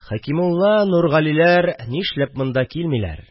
Хәкимулла, Нургалиләр Нишләп монда килмиләр